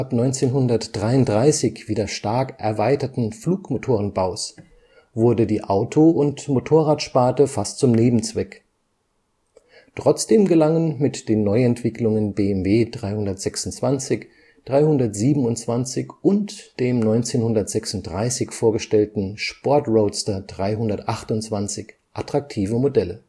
1933 wieder stark erweiterten Flugmotorenbaus wurde die Auto - und Motorradsparte fast zum Nebenzweck. Trotzdem gelangen mit den Neuentwicklungen BMW 326 (1935), 327 (1937) und dem 1936 vorgestellten Sport-Roadster 328 attraktive Modelle